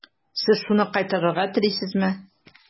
Сез шуны кайтарырга телисезме?